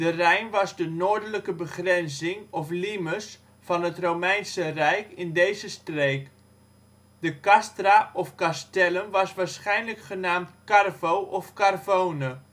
Rijn was de noordelijke begrenzing of limes van het romeinse rijk in deze streek. De castra of castellum was waarschijnlijk genaamd Carvo of Carvone